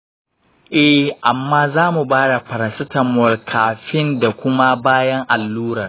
eh, amma za mu ba da paracetamol kafin da kuma bayan allurar.